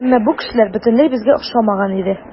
Әмма бу кешеләр бөтенләй безгә охшамаган иде.